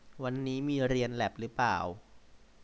วันนี้มีเรียนแล็บรึป่าว